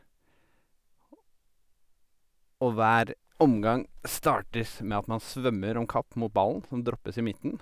og Og hver omgang startes med at man svømmer om kapp mot ballen, som droppes i midten.